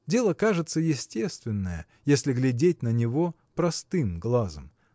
Дело, кажется, естественное, если глядеть на него простым глазом